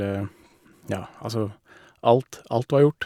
Ja, altså, alt alt var gjort.